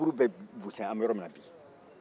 a kaburu bɛ busɛn an bɛ yɔrɔ min na bi